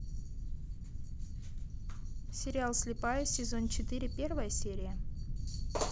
сериал слепая сезон четыре первая серия